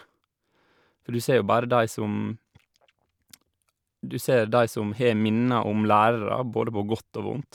For du ser jo bare de som du ser de som har minner om lærere, både på godt og vondt.